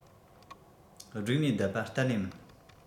བསྒྲིགས ནས བསྡད པ གཏན ནས མིན